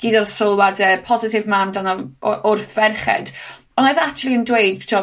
gyd o'r sylwade positif 'ma amdano w- wrth ferched, ond oedd e actually yn dweud t'o'